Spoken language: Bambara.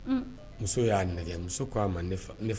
Muso y'a nɛgɛ muso ma